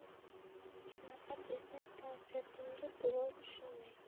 shunaqa desang konsertingga birov tushmaydi